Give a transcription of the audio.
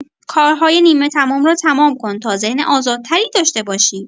کارهای نیمه‌تمام را تمام کن تا ذهن آزادتری داشته باشی.